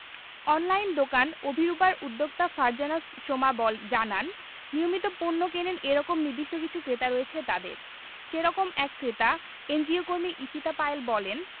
online দোকান অভিরুপার উদ্যোক্তা ফারজানা সোমা জানান নিয়মিত পণ্য কেনেন এ রকম নির্দিষ্ট কিছু ক্রেতা রয়েছে তাঁদের সে রকম এক ক্রেতা এনজিওকর্মী ঈশিতা পায়েল বলেন